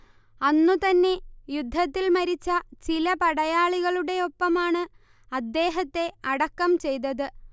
അന്നു തന്നെ യുദ്ധത്തിൽ മരിച്ച ചില പടയാളികളുടെ ഒപ്പമാണ് അദ്ദേഹത്തെ അടക്കം ചെയ്തത്